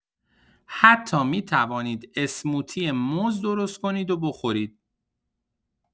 حتی می‌توانید اسموتی موز درست کنید و بخورید.